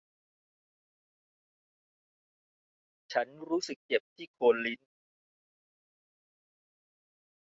ฉันรู้สึกเจ็บที่โคนลิ้น